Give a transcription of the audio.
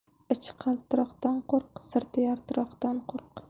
ichi qaltiroqdan qo'rq sirti yaltiroqdan qo'rq